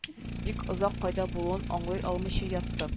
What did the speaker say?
Бик озак кайда булуын аңлый алмыйча ятты